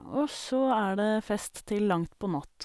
Og så er det fest til langt på natt.